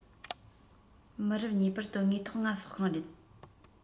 མི རབས གཉིས པར དོན དངོས ཐོག ང སྲོག ཤིང རེད